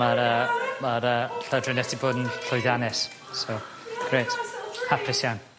ma'r yy ma'r yy llawdrinieth 'di bod yn llwyddiannus so grêt. Hapus iawn.